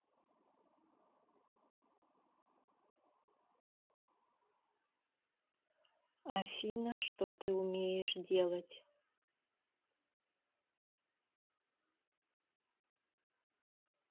афина что ты умеешь делать